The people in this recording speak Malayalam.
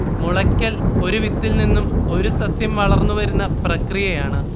മുളയ്ക്കൽ ഒരു വിത്തിൽ നിന്നും ഒരു സസ്യം വളർന്ന ുവരുന്ന പ്രക്രിയയാണ്